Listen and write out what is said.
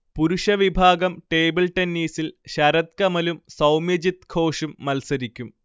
പുരുഷവിഭാഗം ടേബിൾ ടെന്നീസിൽ ശരത് കമലും സൗമ്യജിത് ഘോഷും മൽസരിക്കും